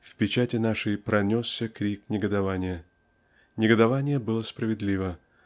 в печати нашей пронесся крик негодования. Негодование было справедливо